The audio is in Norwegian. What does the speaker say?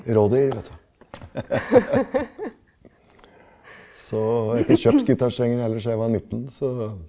råd vi gir vet du , så jeg har ikke kjøpt gitarstrenger heller siden jeg var 19 så.